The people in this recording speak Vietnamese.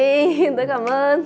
hi hi tớ cảm ơn